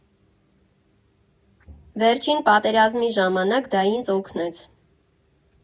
Վերջին պատերազմի ժամանակ դա ինձ օգնեց։